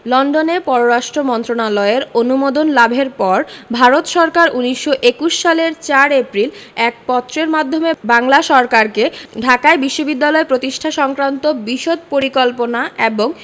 লন্ডনে পররাষ্ট্র মন্ত্রণালয়ের অনুমোদন লাভের পর ভারত সরকার ১৯২১ সালের ৪ এপ্রিল এক পত্রের মাধ্যমে বাংলা সরকারকে ঢাকায় বিশ্ববিদ্যালয় প্রতিষ্ঠা সংক্রান্ত বিশদ পরিকল্পনা এবং